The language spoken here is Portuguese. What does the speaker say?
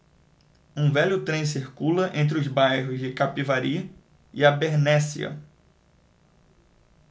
um velho trem circula entre os bairros de capivari e abernéssia